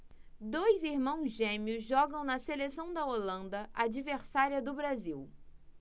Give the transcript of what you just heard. dois irmãos gêmeos jogam na seleção da holanda adversária do brasil